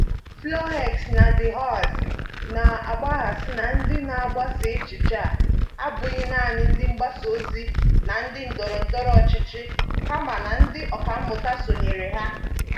"Flahaux na De Haas na-agbaghasị na ndị na-agbasa echiche a abụghị naanị ndị mgbasaozi na ndị ndọrọndọrọ ọchịchị kamakwa ndị ọkàmmụta sonyere ha.